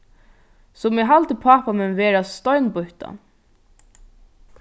sum eg haldi pápa mín vera steinbýttan